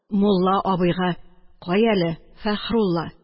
Мулла абыйга: – Кая әле, Фәхрулла